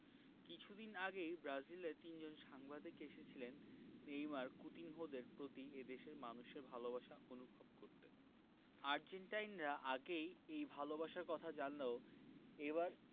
কিছুদিন আগেই ব্রাজিলের তিনজন সাংবাদিক এসেছিলেন নেইমার কুতিনহোদের প্রতি এ দেশের মানুষের ভালোবাসা অনুভব করতে আর্জেন্টাইনরা আগেই এই ভালোবাসার কথা জানলেও এবার